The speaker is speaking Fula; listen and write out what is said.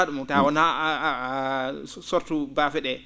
?um taa wonaa a sortu baafe ?ee